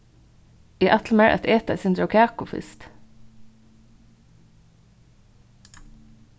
eg ætli mær at eta eitt sindur av kaku fyrst